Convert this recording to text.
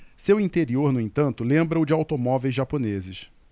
seu interior no entanto lembra o de automóveis japoneses